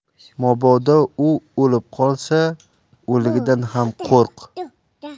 mabodo u o'lib qolsa o'ligidan ham qo'rq